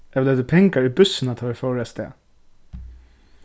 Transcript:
at vit løgdu pengar í bússuna tá ið vit fóru avstað